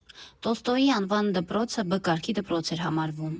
Տոլստոյի անվան դպրոցը «Բ» կարգի դպրոց էր համարվում.